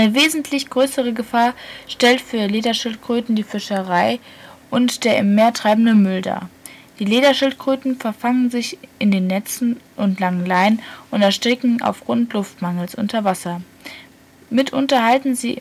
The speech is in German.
wesentlich größere Gefahr stellt für Lederschildkröten die Fischerei und der im Meer treibende Müll dar. Die Lederschildkröten verfangen sich in Netzen und langen Leinen und ersticken aufgrund Luftmangels unter Wasser. Mitunter halten sie